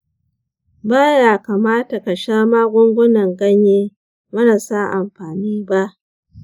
ba ya kamata ka sha magungunan ganye marasa amfani ba.